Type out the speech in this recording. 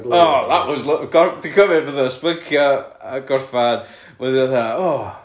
oh that was lo- gor- dwi'n cymyd fatha spyncio a gorffan wedyn fatha "o"